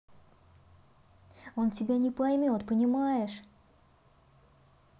он тебя не поймет понимаешь